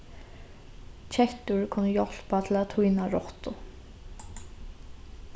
kettur kunnu hjálpa til at týna rottu